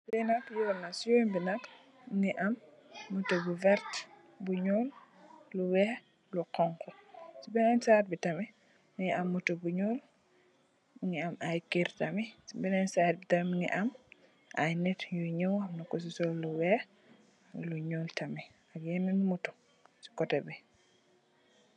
Li nak yuun la si yuun bi nak mogi am moto bu vertah bu nuul lu weex lu xonxu si benen side bi tamit mongi am moto bu nuul mongi am ay keur tamit si benen side bi tamit mongi am ay nitt yui nyow am ku si sol lu weex lu nuul tamit ak yenen moto si kote bi.